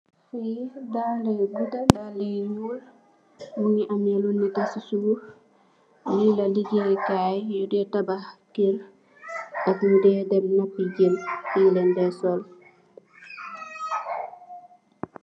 Fii daalue len fii tek, daalue yu njull mungy ameh lu nehtah cii suff, lii la legaye kaii yudae tabakh kerr ak nju dae dem napue jeun, li len dae sol.